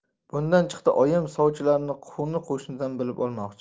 bundan chiqdi oyim sovchilarni qo'ni qo'shnisidan bilib olmoqchi